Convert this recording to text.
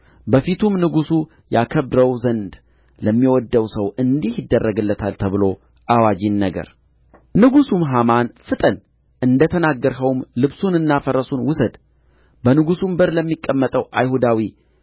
በፊቱም ንጉሡ ያከብረው ዘንድ ለሚወድደው ሰው እንዲህ ይደረግለታል ተብሎ አዋጅ ይነገር ንጉሡም ሐማን ፍጠን እንደ ተናገርኸውም ልብሱንና ፈረሱን ውሰድ በንጉሡም በር ለሚቀመጠው አይሁዳዊ